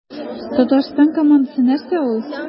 Татарстан командасы нәрсә ул?